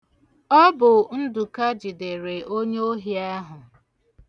Ọ bụ Ndụka jidere onye ohi ahụ.